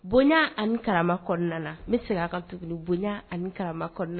Bonya ani karama kɔnɔna na, n bɛ segin a kan tuguni bonya ani karama kɔn